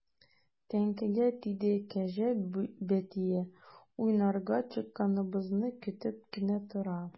Теңкәгә тиде кәҗә бәтие, уйнарга чыкканыбызны көтеп кенә тора.